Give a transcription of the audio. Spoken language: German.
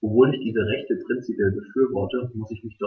Obwohl ich diese Rechte prinzipiell befürworte, musste ich mich